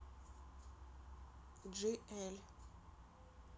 gl